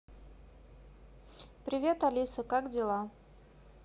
привет алиса как дела